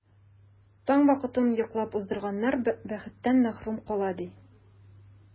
Таң вакытын йоклап уздырганнар бәхеттән мәхрүм кала, ди.